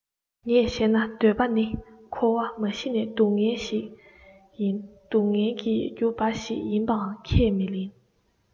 ངས བཤད ན འདོད པ ནི འཁོར བ མ གཞི ནས སྡུག བསྔལ ཞིག ཡིན སྡུག བསྔལ གྱི རྒྱུ འབའ ཞིག ཡིན པའང ཁས མི ལེན